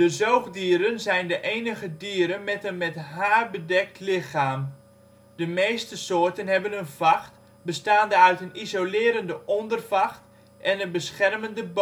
zoogdieren zijn de enige dieren met een met haren bedekt lichaam. De meeste soorten hebben een vacht, bestaande uit een isolerende ondervacht en een beschermende bovenvacht